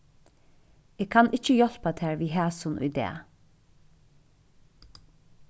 eg kann ikki hjálpa tær við hasum í dag